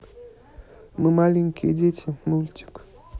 мы маленькие дети мультик